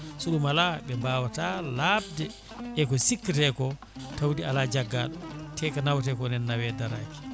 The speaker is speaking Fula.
so ɗum ala ɓe mbawata labde e ko sikkete ko tawde ala jaggaɗo te ko naweteko nana naawe daaraki